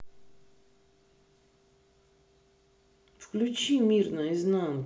включи мир наизнанку